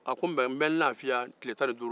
ko mɛ n bɛ n lafiya tile tan ni duuru